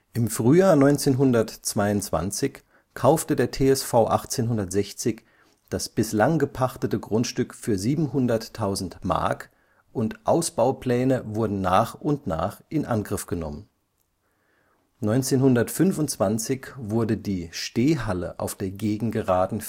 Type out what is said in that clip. Im Frühjahr 1922 kaufte der TSV 1860 das bislang gepachtete Grundstück für 700.000 Mark und Ausbaupläne wurden nach und nach in Angriff genommen. 1925 wurde die Stehhalle auf der Gegengeraden